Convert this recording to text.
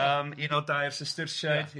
yym un o da i'r Systyrsiaid ia.